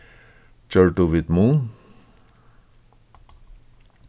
gjørdu vit mun